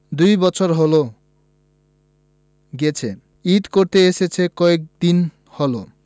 দুবছর হলো গেছে ঈদ করতে এসেছে কয়েকদিন হলো